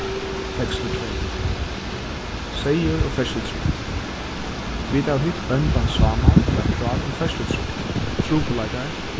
tekstur tvey seyður og ferðslutrygd vit hava hitt bóndan sámal til eitt prát um ferðslutrygd trupulleikar